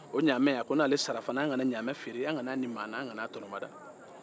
o ɲamɛ a ko n'ale sara fana an kan'a ɲamɛ feere an kan'a ni maana a kan'a tɔnɔmada